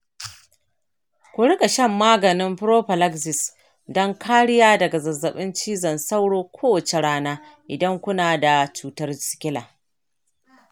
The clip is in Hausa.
ku riƙa shan maganin prophylaxis don kariya daga zazzabin cizan sauro kowace rana idan kuna da cutar sikila